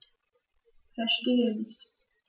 Verstehe nicht.